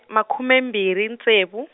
makhume mbirhi ntsevu.